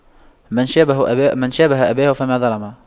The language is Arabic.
من شابه أباه فما ظلم